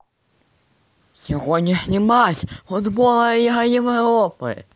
сегодняшний матч футбол лига европы